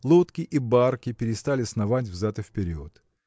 лодки и барки перестали сновать взад и вперед.